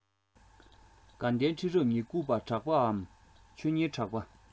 དགའ ལྡན ཁྲི རབས ཉེར དགུ པ གྲགས པའམ ཆོས གཉེར གྲགས པ